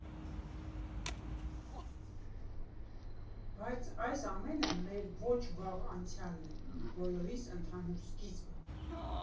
Բայց այս ամենը մեր ոչ վաղ անցյալն է, բոլորիս ընդհանուր սկիզբը։